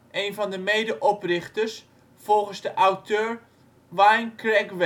één van de mede-oprichters, volgens de auteur Wyn Craig